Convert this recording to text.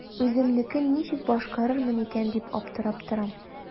Үземнекен ничек башкарырмын икән дип аптырап торам.